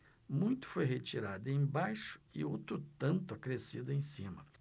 muito foi retirado embaixo e outro tanto acrescido em cima